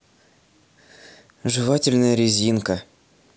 жевательная резинка